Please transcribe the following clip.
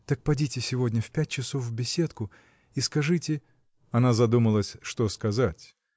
— Так подите сегодня в пять часов в беседку и скажите. Она задумалась, что сказать.